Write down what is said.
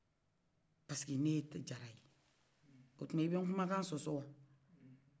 parseke n'ye jara o tuman e bɛ n kuman kan sɔsɔ wa